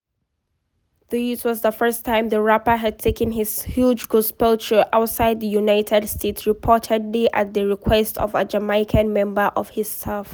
This was the first time the rapper had taken his huge gospel choir outside the United States, reportedly at the request of a Jamaican member of his staff.